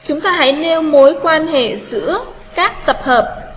chúng ta hãy nêu mối quan hệ giữa các tập hợp